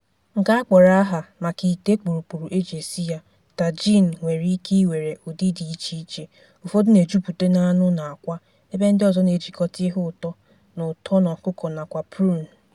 Nke a kpọrọ aha maka ite kpụrụkpụrụ e ji esi ya, tajine nwere ike iwere ụdị dị icheiche; ụfọdụ na-ejupụta n'anụ na àkwá, ebe ndị ọzọ na-ejikọta ihe ụtọ na ụtọ na ọkụkọ nakwa prune.